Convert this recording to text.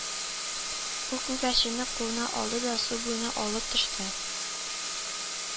Ул күгәрченне кулына алды да су буена алып төште